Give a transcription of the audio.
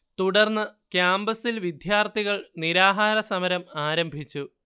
തുടർന്ന് കാമ്പസ്സിൽ വിദ്യാർത്ഥികൾ നിരാഹാരസമരം ആരംഭിച്ചു